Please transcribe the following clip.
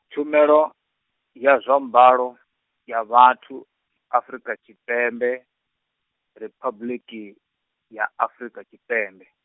Tshumelo, ya zwa mbalo, ya vhathu, Afrika Tshipembe, Riphabuḽiki, ya Afrika Tshipembe.